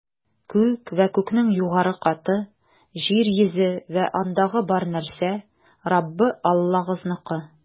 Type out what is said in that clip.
Күк вә күкнең югары каты, җир йөзе вә андагы бар нәрсә - Раббы Аллагызныкы.